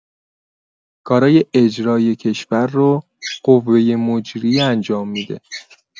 کارای اجرایی کشور رو قوه مجریه انجام می‌ده.